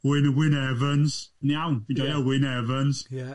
Wyn Wyn Evans, yn iawn, dwi'n joio Wyn Evans. Ie.